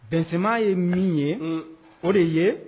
Bɛnsenma ye min ye, o de ye